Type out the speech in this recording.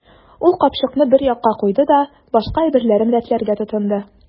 Ул капчыкны бер якка куйды да башка әйберләрен рәтләргә тотынды.